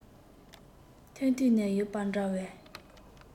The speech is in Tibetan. ཐོན དུས ནས ཡོད པ འདྲ བས